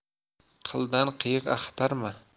qildan qiyiq axtarma